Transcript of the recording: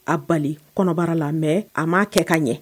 A bali kɔnɔbara la mais a m'a kɛ ka ɲɛ